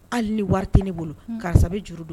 Hali ni wari tɛ ne bolo karisa bɛ juru don